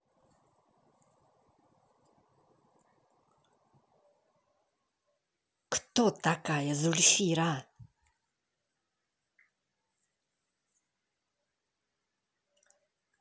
кто такая зульфира